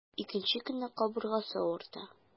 Икенче көнне кабыргасы авырта.